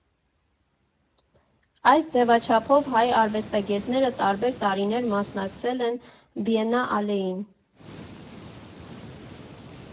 Այս ձևաչափով հայ արվեստագետները տարբեր տարիներ մասնակցել են Բիենալեին։